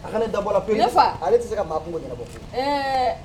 A ne dabɔ pe ale tɛ se ka maa kungo ɲɛnabɔ fɛ